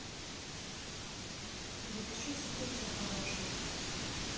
запиши ситница хороший